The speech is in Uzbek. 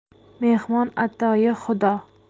mehmon atoyi xudo